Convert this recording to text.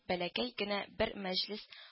Бәләкәй генә бер мәҗлес